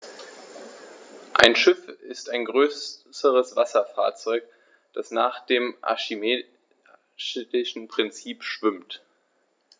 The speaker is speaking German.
Ein Schiff ist ein größeres Wasserfahrzeug, das nach dem archimedischen Prinzip schwimmt.